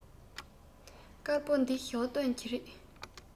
དཀར པོ འདི ཞའོ ཏོན གྱི རེད